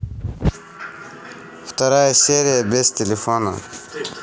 вторая серия без телефона